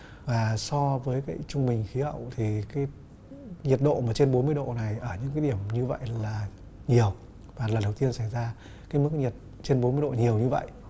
và so với cái trung bình khí hậu thì cái nhiệt độ mà trên bốn mươi độ này ở những điểm như vậy là nhiều và lần đầu tiên xảy ra khi mức nhiệt trên bốn mươi độ nhiều như vậy